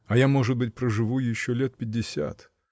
А я, может быть, проживу еще лет пятьдесят!